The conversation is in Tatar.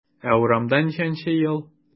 Ә урамда ничәнче ел?